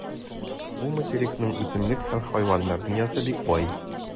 Бу материкның үсемлек һәм хайваннар дөньясы бик бай.